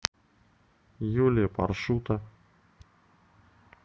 юлия паршута